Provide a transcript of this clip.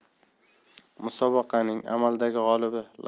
musobaqaning amaldagi g'olibi